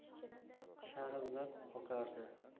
sharillab oqardi